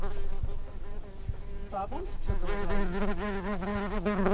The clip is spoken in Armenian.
Բա ո՞նց չդողայի։